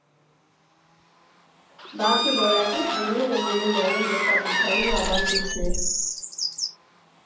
Բացի որակից, վինիլն ունի նաև մշակութային ավանդույթներ։